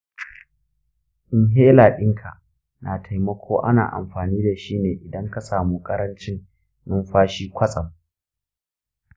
inhaler ɗinka na taimako ana amfani da shi ne idan ka samu ƙarancin numfashi kwatsam.